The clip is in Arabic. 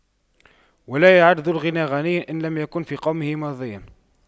ولا يعد ذو الغنى غنيا إن لم يكن في قومه مرضيا